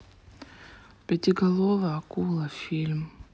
пятиголовая акула фильм